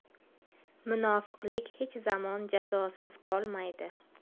munofiqlik hech zamon jazosiz qolmaydi